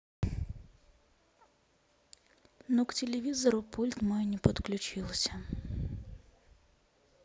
ну к телевизору пульт мой не подключился